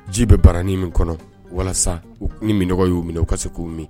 Ji bɛ baranin in kɔnɔ walasa ni minɔgɔ y'u minɛ u ka se k'u min.